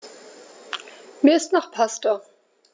Mir ist nach Pasta.